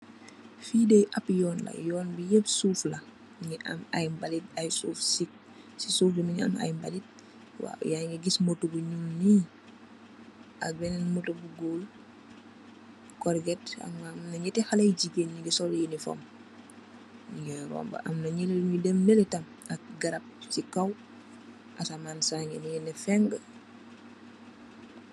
Fi dè ab yoon la, yoon bi yëp suuf la. Mungi am ay balit ay suuf ci, ci suuf bi mungi am ay balit ya ngi gës moto bu ñuul ni ak benen Moto bu gold, corket. Amna benen haley bu góor nungi sol uniform nungi robba. Amna nyenen nu dem nalè tam ak garab. Ci kaw asaman sa ngi ni nè Feng.